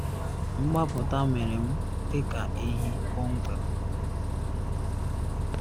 Mgbapụta mere m dị ka ehi kpọmkwem.